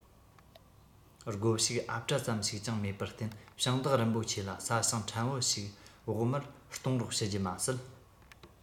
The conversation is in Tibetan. སྒོ ཕྱུགས ཨབ བྲ ཙམ ཞིག ཀྱང མེད པར བརྟེན ཞིང བདག རིན པོ ཆེ ལ ས ཞིང ཕྲན བུ ཞིག བོགས མར གཏོང རོགས ཞུ རྒྱུ མ ཟད